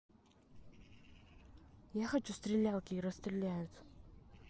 я хочу стрелялки и расстреляют